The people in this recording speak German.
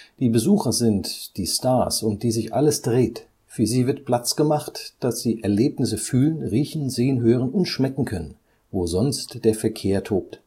Die Besucher sind „ die Stars, um die sich alles dreht. Für sie wird Platz gemacht, dass sie Erlebnisse fühlen, riechen, sehen, hören und schmecken können, wo sonst der Verkehr tobt